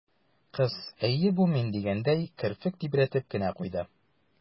Кыз, «әйе, бу мин» дигәндәй, керфек тибрәтеп кенә куйды.